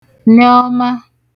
neọma